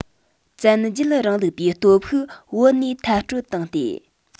བཙན རྒྱལ རིང ལུགས པའི སྟོབས ཤུགས བོད ནས མཐར སྐྲོད བཏང སྟེ